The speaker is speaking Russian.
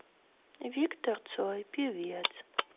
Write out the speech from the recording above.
виктор цой певец